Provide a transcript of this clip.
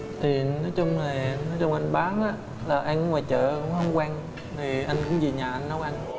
thì nói chung là nói chung anh bán á là ăn ở ngoài chợ cũng không quen thì anh cũng về nhà anh nấu ăn